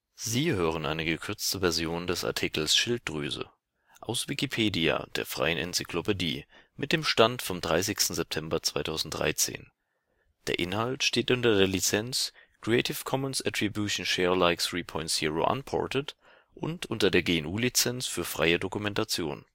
Sie hören eine gekürzte Version des Artikels Schilddrüse aus Wikipedia, der freien Enzyklopädie, mit dem Stand vom 30. September 2013. Der Inhalt steht unter der Lizenz Creative Commons Attribution-ShareAlike 3.0 Unported und unter der GNU-Lizenz für freie Dokumentation